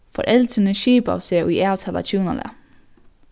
foreldrini skipaðu seg í avtalað hjúnalag